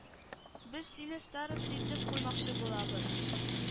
Без сине староста итеп куймакчы булабыз